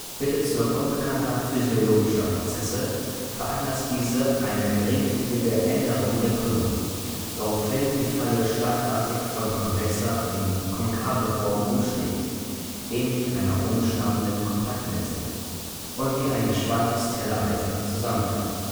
Mittels noch unbekannter physiologischer Prozesse veranlasst dieses eine geringfügige Änderung der Krümmung, woraufhin die Falle schlagartig von konvexer in konkave Form umschlägt (ähnlich einer umschnappenden Kontaktlinse) und wie ein gespanntes Tellereisen zusammenklappt